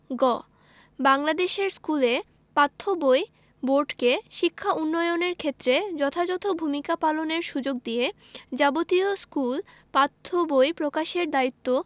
গ বাংলাদেশের স্কুলে পাঠ্য বই বোর্ডকে শিক্ষা উন্নয়নের ক্ষেত্রে যথাযথ ভূমিকা পালনের সুযোগ দিয়ে যাবতীয় স্কুল পাঠ্য বই প্রকাশের দায়িত্ব